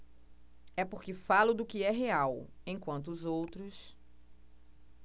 é porque falo do que é real enquanto os outros